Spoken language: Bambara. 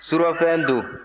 surɔfɛn don